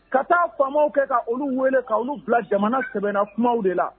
Ka taa faamaw kɛ ka olu wele ka olu bila jamana sɛbɛnna kumaw de la.